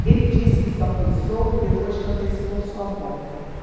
ele disse que só foi solto depois que antecipou sua volta